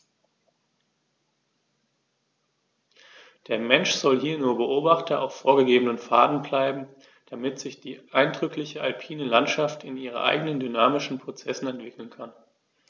Der Mensch soll hier nur Beobachter auf vorgegebenen Pfaden bleiben, damit sich die eindrückliche alpine Landschaft in ihren eigenen dynamischen Prozessen entwickeln kann.